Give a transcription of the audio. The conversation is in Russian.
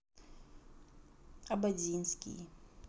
ободзинский